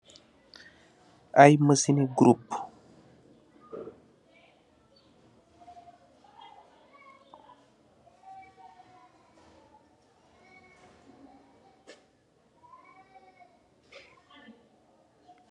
Aye machine ni kurup.